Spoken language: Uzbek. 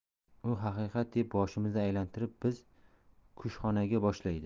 u haqiqat deb boshimizni aylantirib bizni kushxonaga boshlaydi